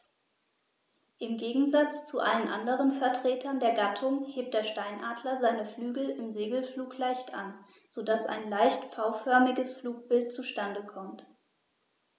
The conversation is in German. Im Gegensatz zu allen anderen Vertretern der Gattung hebt der Steinadler seine Flügel im Segelflug leicht an, so dass ein leicht V-förmiges Flugbild zustande kommt.